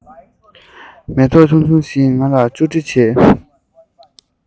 མེ ཏོག ཆུང ཆུང ཞིག ང ལ ཅོ འདྲི བྱེད